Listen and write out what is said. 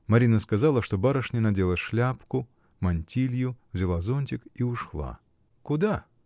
Марина сказала, что барышня надела шляпку, мантилью, взяла зонтик и ушла. — Куда?